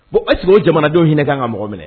Bon est ce que o jamanadenw hinɛ kan ka mɔgɔ minɛ